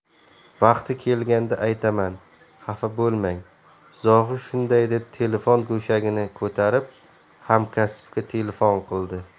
vaqti kelganda aytaman xafa bo'lmang zohid shunday deb telefon go'shagini ko'tarib hamkasbiga telefon qildi